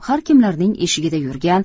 har kimlarning eshigida yurgan